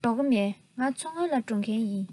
ལོག གི མིན ང མཚོ སྔོན ལ འགྲོ མཁན ཡིན